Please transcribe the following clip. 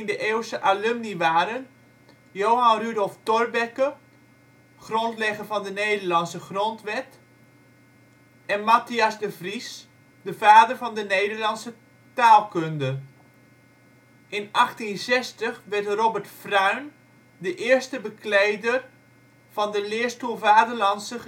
19e-eeuwse alumni waren Johan Rudolph Thorbecke, grondlegger van de Nederlandse grondwet, en Matthias de Vries, de vader van de Nederlandse taalkunde. In 1860 werd Robert Fruin de eerste bekleder van de leerstoel vaderlandse